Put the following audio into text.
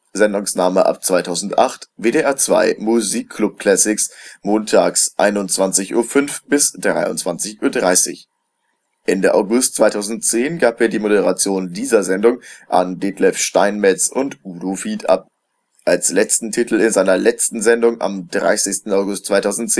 Sendungsname ab 2008: WDR 2 Musikclub-Classics, montags 21:05 bis 23:30 Uhr). Ende August 2010 gab er die Moderation dieser Sendung an Detlev Steinmetz und Udo Vieth ab. Als letzten Titel in seiner letzten Sendung am 30. August 2010